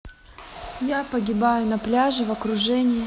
я погибаю на пляже в окружении